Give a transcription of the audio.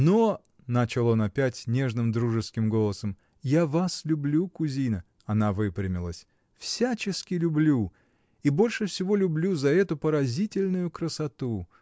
— Но. — начал он опять нежным, дружеским голосом, — я вас люблю, кузина (она выпрямилась), всячески люблю, и больше всего люблю за эту поразительную красоту